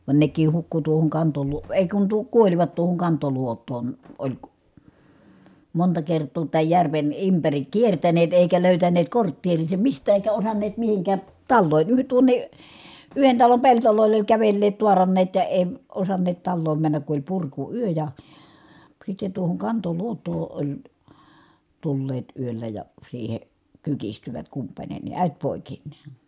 vaan nekin hukkui tuohon - ei kun - kuolivat tuohon Kantoluotoon oli monta kertaa tämän järven ympäri kiertäneet eikä löytäneet kortteeriinsa mistään eikä osanneet mihinkään taloihin - tuonne yhden talon pelloille oli kävelleet taaranneet ja ei osanneet taloon mennä kun oli purkuyö ja sitten tuohon Kantoluotoon oli tulleet yöllä ja siihen kyykistyvät kumpainenkin äiti poikineen